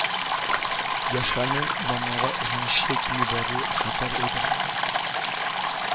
Яшьләрнең имамнарга ышанычы кими баруы хәтәр әйбер